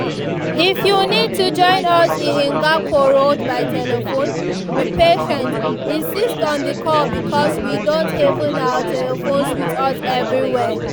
“If you need to join us in Ngakoro by telephone, be patient, insist on the call because we don't haven our telephones with us everywhere.